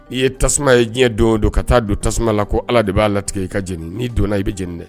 I ye tasuma ye diɲɛ don don ka taa don tasuma la ko ala de b'a latigɛ i ka jeni nii donna i bɛ jeni dɛ